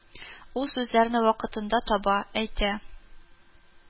Ул сүзләрне вакытында таба, әйтә